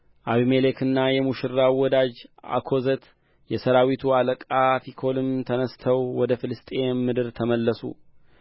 አቢሜሌክና የሙሽራው ወዳጅ አኮዘት የሠራዊቱ አለቃ ፊኮልም ተነሥተው ወደ ፍልስጥኤም ምድር ተመለሱ